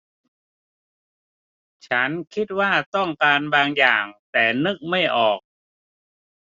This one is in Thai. ฉันคิดว่าต้องการบางอย่างแต่นึกไม่ออก